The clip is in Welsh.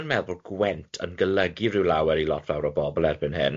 yn meddwl Gwent yn golygu ryw lawer i lot fawr o bobl erbyn hyn.